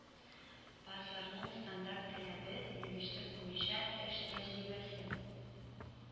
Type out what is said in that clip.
Базарның стандарт таләбе белгечлек буенча эш тә рибәсе